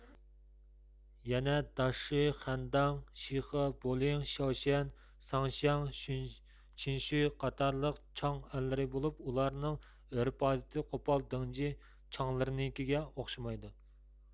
يەنە داچشۇي خەنداڭ شىخې بولىڭ شياۋششەن ساڭشياڭ چىنشۇي قاتارلىق چاڭ ئەللىرى بولۇپ ئۇلارنىڭ ئۆرپ ئادىتى قوپال دېڭجى چاڭلىرىنىڭكىگە ئوخشىمايدۇ